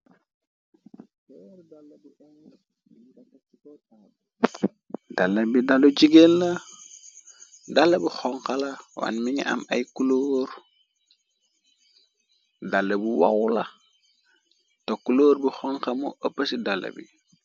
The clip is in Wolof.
Dala bi dalu jigéel na dala bi xonxala wan mi ni am ay kulóor dala bu wawula te kulóor bu xonxamu ëpp ci dala bi.